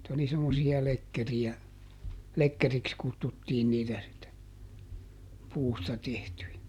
että oli semmoisia lekkereitä lekkeriksi kutsuttiin niitä sitten puusta tehtyjä